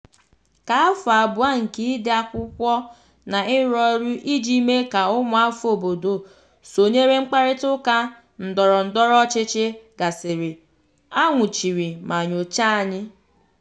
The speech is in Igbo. Ka afọ abụọ nke ide akwụkwọ na ịrụ ọrụ iji mee ka ụmụafọ obodo sonyere mkparịtaụka ndọrọ ndọrọ ọchịchị gasịrị, a nwụchiri ma nyochaa anyị.